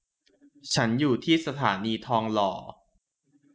ฉันอยู่ที่สถานีทองหล่อ